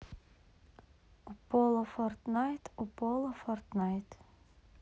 уполо фортнайт уполо фортнайт